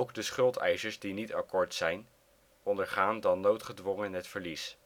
de schuldeisers die niet akkoord zijn, ondergaan dan noodgedwongen het verlies